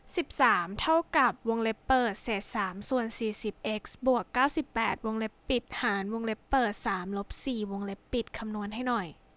สิบสามเท่ากับวงเล็บเปิดเศษสามส่วนสี่สิบเอ็กซ์บวกเก้าสิบแปดวงเล็บปิดหารวงเล็บเปิดสามลบสี่วงเล็บปิดคำนวณให้หน่อย